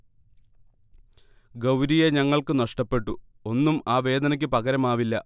ഗൗരിയെ ഞങ്ങൾക്ക് നഷ്ടപ്പെട്ടു, ഒന്നും ആ വേദനക്ക് പകരമാവില്ല